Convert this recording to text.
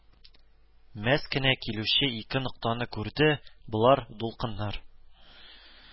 Мәс кенә килүче ике ноктаны күрде, болар, дулкыннар